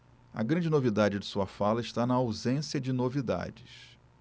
a grande novidade de sua fala está na ausência de novidades